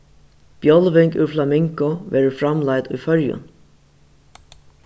bjálving úr flamingo verður framleidd í føroyum